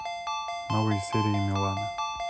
новые серии миланы